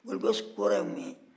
gold cost kɔrɔ ye mun ye